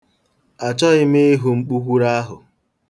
Achọghị m ihu mkpughuru ahụ.